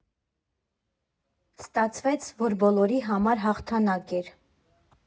Ստացվեց, որ բոլորի հավասար հաղթանակն էր։